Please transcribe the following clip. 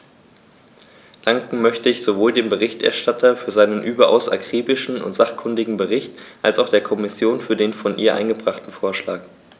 Danken möchte ich sowohl dem Berichterstatter für seinen überaus akribischen und sachkundigen Bericht als auch der Kommission für den von ihr eingebrachten Vorschlag.